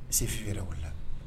Est ce que Fifi yɛrɛ wuli la